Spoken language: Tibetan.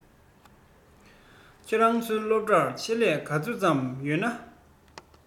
ཁྱོད རང ཚོའི སློབ གྲྭར ཆེད ལས ག ཚོད ཙམ ཡོད ན